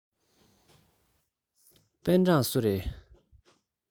པེན ཀྲང སུ རེད